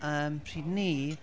yym, pryd 'ny...